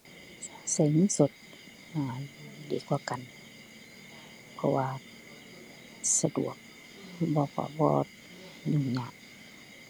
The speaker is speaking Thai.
ใช้เงินสด อ่า ดีกว่ากัน เพราะว่าสะดวก บ่ เพราะ บ่ยุ่งยาก